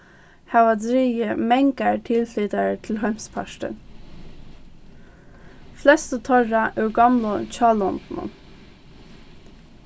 hava drigið mangar tilflytarar til heimspartin flestu teirra úr gomlu hjálondunum